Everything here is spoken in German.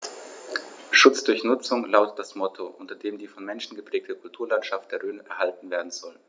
„Schutz durch Nutzung“ lautet das Motto, unter dem die vom Menschen geprägte Kulturlandschaft der Rhön erhalten werden soll.